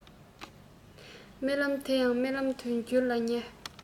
རྨི ལམ དེ ཡང རྨི ལམ དུ འགྱུར ལ ཉེ